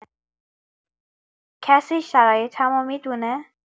کسی شرایطمو می‌دونه؟